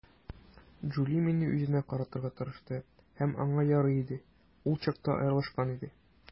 Джули мине үзенә каратырга тырышты, һәм аңа ярый иде - ул чакта аерылышкан иде.